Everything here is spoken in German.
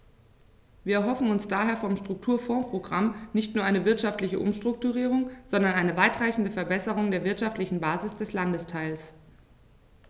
Wir erhoffen uns daher vom Strukturfondsprogramm nicht nur eine wirtschaftliche Umstrukturierung, sondern eine weitreichendere Verbesserung der wirtschaftlichen Basis des Landesteils.